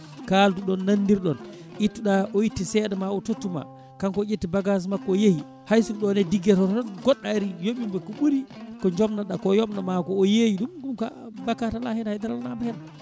kaldu ɗon nandirɗon ittuɗa o itti seeɗa ma o tottu ma kanko o ƴetti bagage makko o yeeyi hayso ɗon e diggueyto tan goɗɗo ari yooɓimo ko ɓuuri ko jobnoɗa ko yobnoma ko o yeeyi ɗum ɗum bakkat ala hen haydara alanama hen